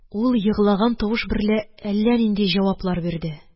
Ул еглаган тавыш берлә әллә нинди җаваплар бирде